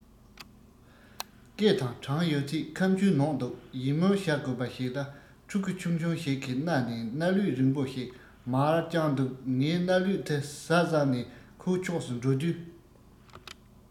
སྐེ དང བྲང ཡོད ཚད ཁམ ཆུས ནོག འདུག ཡིད སྨོན བྱ དགོས པ ཞིག ལ ཕྲུ གུ ཆུང ཆུང ཞིག གི སྣ ནས སྣ ལུད རིང པོ ཞིག མར དཔྱངས འདུག ངས སྣ ལུད དེ བཟའ བསམས ནས ཁོའི ཕྱོགས སུ འགྲོ དུས